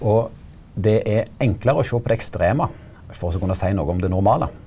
og det er enklare å sjå på det ekstreme for også kunne seie noko om det normale.